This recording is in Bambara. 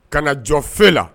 Ka na jɔ feu la.